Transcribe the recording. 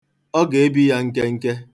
Ọ ga-ebi ya nkenke.